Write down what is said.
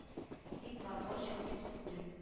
- дип марго чыгып китте